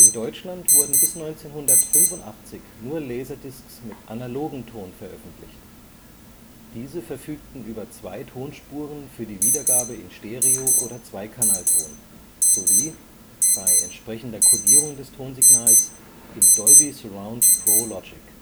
Deutschland wurden bis 1985 nur Laserdiscs mit analogem Ton veröffentlicht. Diese verfügten über zwei Tonspuren für die Wiedergabe in Stereo oder Zweikanalton, sowie - bei entsprechender Kodierung des Tonsignals - in Dolby Surround Pro Logic